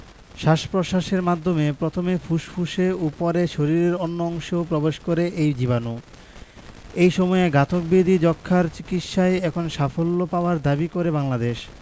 শ্বাস প্রশ্বাসের মাধ্যমে প্রথমে ফুসফুসে ও পরে শরীরের অন্য অংশেও প্রবেশ করে এ জীবাণু এইসময়ের ঘাতক ব্যাধি যক্ষ্মার চিকিৎসায় এখন সাফল্য পাওয়ার দাবি করে বাংলাদেশ